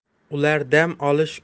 ular dam olish